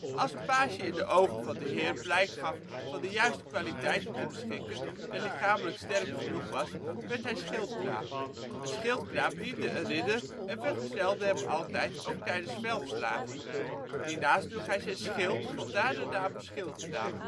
Als een page in de ogen van de heer blijk gaf over de juiste kwaliteiten te beschikken en lichamelijk sterk genoeg was, werd hij schildknaap. Een schildknaap diende een ridder en vergezelde hem altijd, ook tijdens veldslagen. Hiernaast droeg hij zijn schild, vandaar de naam schildknaap